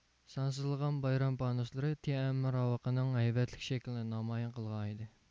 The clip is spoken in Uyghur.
سانسىزلىغان بايرام پانوسلىرى تيەنئەنمېن راۋىقىنىڭ ھەيۋەتلىك شەكلىنى نامايان قىلغانىدى